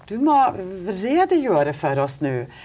du må redegjøre for oss nå.